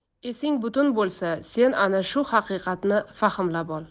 esing butun bo'lsa sen ana shu haqiqatni fahmlab ol